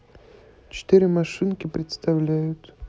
четыре машинки представляют